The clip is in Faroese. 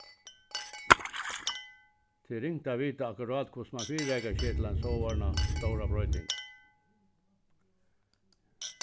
tað er ringt at vita akkurát hvussu mann fyrireikar seg til eina sovorðna stóra broyting